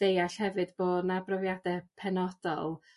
ddeall hefyd bo' 'na brofiade penodol